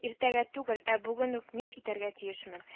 Иртәгә түгел, ә бүген үк мин китәргә тиешмен